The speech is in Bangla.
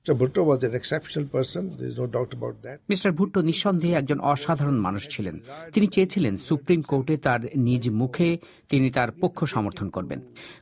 mister Bhutto was an exception person there's no doubt about that mister Bhutto নিঃসন্দেহে একজন অসাধারণ মানুষ ছিলেন তিনি চেয়েছিলেন সুপ্রিম কোর্টে তার নিজ মুখে তিনি তার পক্ষ সমর্থন করবেন